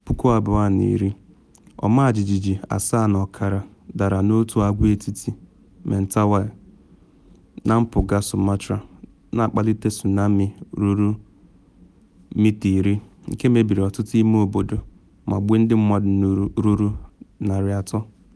2010: Ọmajiji 7.5 dara n’otu agwaetiti Mentawai, na mpụga Sumatra, na akpalite tsunami ruru mita 10 nke mebiri ọtụtụ ime obodo ma gbuo ndị mmadụ ruru 300.